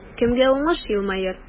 Кемгә уңыш елмаер?